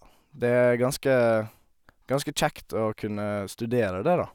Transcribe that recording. Det er ganske ganske kjekt å kunne studere det, da.